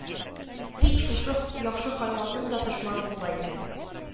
Тик, шушы яхшы хайванның да дошманы була икән